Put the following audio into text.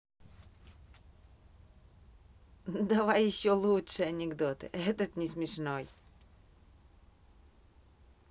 давай еще лучше анекдот этот не смешной